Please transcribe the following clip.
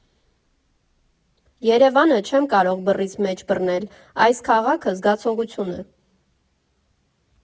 Երևանը չեմ կարող բռիս մեջ բռնել, այս քաղաքը զգացողություն է։